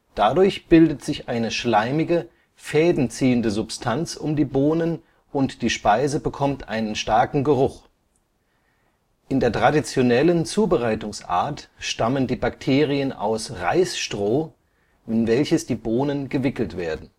Dadurch bildet sich eine schleimige, Fäden ziehende Substanz um die Bohnen und die Speise bekommt einen starken Geruch. In der traditionellen Zubereitungsart stammen die Bakterien aus Reisstroh, in welches die Bohnen gewickelt werden